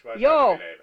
joo